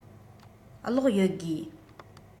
གློག ཡོད དགོས